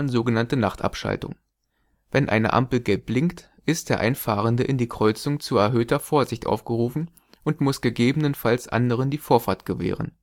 so genannte Nachtabschaltung). Wenn eine Ampel gelb blinkt, ist der Einfahrende in die Kreuzung zu erhöhter Vorsicht aufgerufen und muss gegebenenfalls anderen die Vorfahrt gewähren